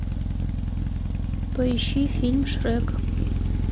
поищи фильм шрек